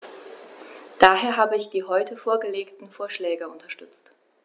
Daher habe ich die heute vorgelegten Vorschläge unterstützt.